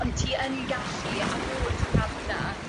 ond ti yn gallu ar ôl ti ca'l hwnna